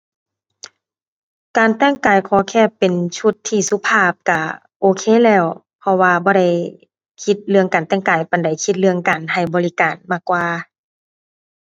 การแต่งกายขอแค่เป็นชุดที่สุภาพก็โอเคแล้ว เพราะว่าบ่ได้คิดเรื่องการแต่งกายปานใด คิดเรื่องการให้บริการมากกว่า